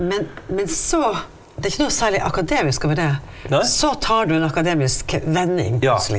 men men så det er ikke noe særlig akademisk over det, så tar du en akademisk vending.